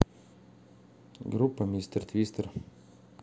группа мистер твистер